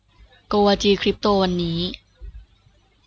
โกวาจีคริปโตวันนี้